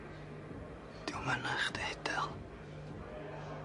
'Di o'm ynach chdi Dale.